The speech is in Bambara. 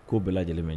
Ko bɛɛ lajɛlen mɛ